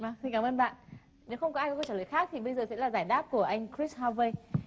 vâng xin cám ơn bạn nếu không có ai có câu trả lời khác thì bây giờ sẽ là giải đáp của anh quýt ha vây